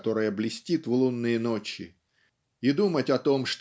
которая блестит в лунные ночи и думать о том